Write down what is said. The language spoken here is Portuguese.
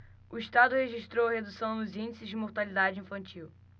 o estado registrou redução nos índices de mortalidade infantil